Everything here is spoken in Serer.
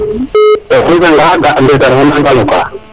to o xesa nga ga ndetar faga a loqa